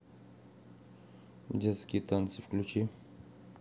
детские танцы включи